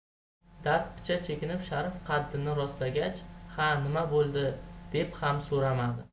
dard picha chekinib sharif qaddini rostlagach ha nima bo'ldi deb ham so'ramadi